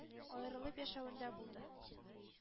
Аерылып яшәвендә булды.